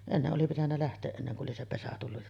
ennen oli pitänyt lähteä ennen kuin oli se pesä tullut